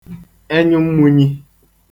enyụmmūnyī